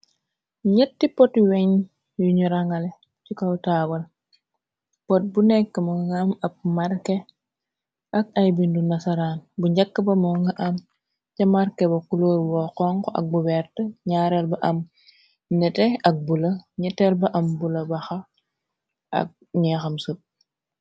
Ñetti pot weñ yuñu rangale ci kaw taawal pot bu nekk moo nga am ab marke ak ay bindu nasaraan bu njakk ba monga am ca marke ba kuloor woo xonx ak bu wert ñaareel ba am nete ak bula ñeteel ba am bula baxa ak ñeexam sëb.